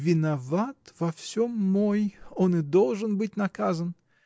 Виноват во всем мой: он и должен быть наказан.